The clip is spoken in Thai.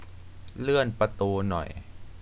เลื่อนประตูหน่อย